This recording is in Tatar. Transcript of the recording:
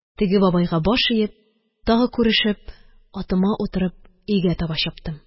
Теге бабайга баш иеп, тагы күрешеп, атыма утырып, өйгә таба чаптым.